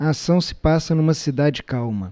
a ação se passa numa cidade calma